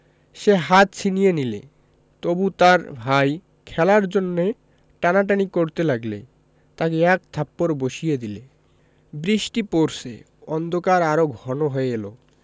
সে হাত ছিনিয়ে নিলে তবু তার ভাই খেলার জন্যে টানাটানি করতে লাগলে তাকে এক থাপ্পড় বসিয়ে দিলে বৃষ্টি পরছে অন্ধকার আরো ঘন হয়ে এল